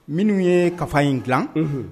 Minnu ye ka in dila